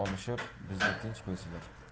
olishib bizni tinch qo'ysalar